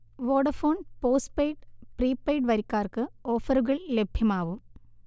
Vodafone postpaid, prepaid വരിക്കാർക്ക് ഓഫറുകൾ ലഭ്യമാവും